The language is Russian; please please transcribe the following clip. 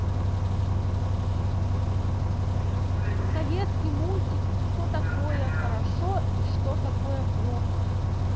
советский мультик что такое хорошо и что такое плохо